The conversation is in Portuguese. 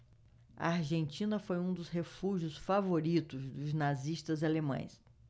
a argentina foi um dos refúgios favoritos dos nazistas alemães